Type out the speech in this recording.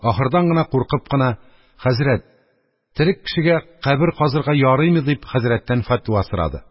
Ахырдан гына, куркып кына: – Хәзрәт, терек кешегә кабер казырга ярыймы? – дип, хәзрәттән фәтва сорады.